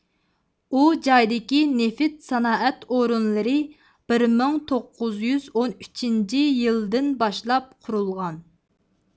ئۇ جايدىكى نېفىت سانائەت ئورۇنلىرى بىر مىڭ توققۇز يۈز ئون ئۈچىنچى يىلدىن باشلاپ قۇرۇلغان